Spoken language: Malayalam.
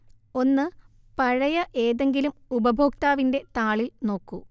ഒന്ന് പഴയ ഏതെങ്കിലും ഉപഭോക്താവിന്റെ താളിൽ നോക്കൂ